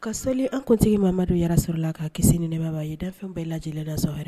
Ka seli an kuntigi Mamadu ya rasulula ka kisi ni nɛma b'a ye, danfɛn bɛɛ lajɛ lajɛlen lasɔn hɛrɛ